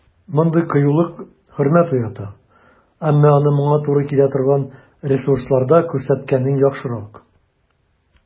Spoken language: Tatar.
Мондый кыюлык хөрмәт уята, әмма аны моңа туры килә торган ресурсларда күрсәткәнең яхшырак.